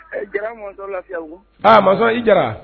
Ɛ jara mɔnzɔn lafiya a ma i diyara